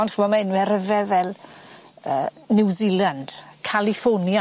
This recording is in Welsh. Ond ch'mo' ma' enwe ryfedd fel yy New Zealand, California.